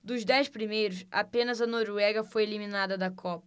dos dez primeiros apenas a noruega foi eliminada da copa